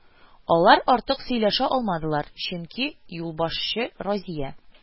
Алар артык сөйләшә алмадылар, чөнки юлбашчы Разия: